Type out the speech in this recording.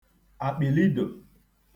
àkpị̀lịdò